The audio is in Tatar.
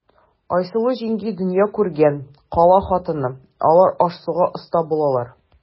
Айсылу җиңги дөнья күргән, кала хатыны, алар аш-суга оста булалар.